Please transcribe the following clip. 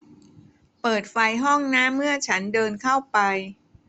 เปิดไฟห้องน้ำเมื่อฉันเดินเข้าไป